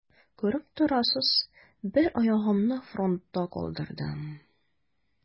Күреп торасыз: бер аягымны фронтта калдырдым.